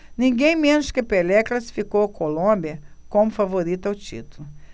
ninguém menos que pelé classificou a colômbia como favorita ao título